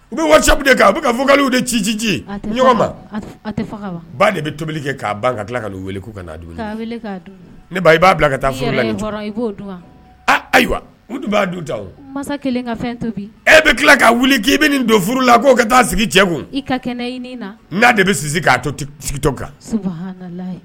U bɛ wali ci ci de bɛ tobili kɛ'a ka tila k' b'a bila ka ayiwa'a e bɛ k' bɛ nin don furu la ka taa sigi' bɛ sin k'